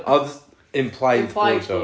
Ond implied blowjob...